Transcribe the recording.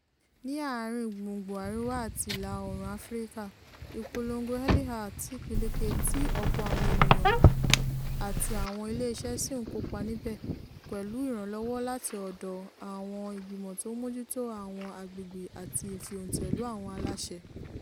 Ní àárín gbùngbù Àríwá àti ìlà oòrùn Africa, ìpolongo Early Hour tí peléke tí ọ̀pọ̀ àwọn eèyàn àti àwọn iléeṣẹ́ sì ń kópa nibẹ̀, pẹ̀lú ìranlọ́wọ́ láti ọ̀dọ̀ àwọn ìgbìmọ̀ tó ń mójútó àwọn agbègbè àti ìfi-òǹtẹ̀lù àwọn aláṣẹ.